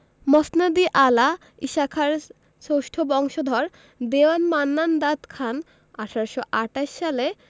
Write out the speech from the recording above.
মসনদ ই আলা ঈশাখার ষষ্ঠ বংশধর দেওয়ান মান্নান দাদ খান ১৮২৮ সালে